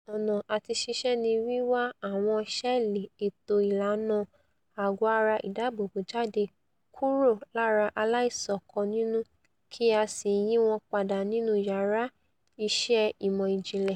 Ọ̀nà àtiṣiṣẹ́ ní wíwa àwọn ṣẹ́ẹ̀lì ètò ìlànà àgọ́-ara ìdáààbòbò jáde kúrò lára aláìsàn kan nínú, kí á sì yíwọn padà nínú yàrá iṣẹ́ ìmọ̀ ìjìnlẹ̀